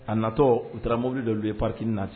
A natɔ u taara mobili dɔ u bɛ ye parikiina